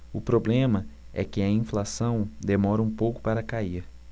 o problema é que a inflação demora um pouco para cair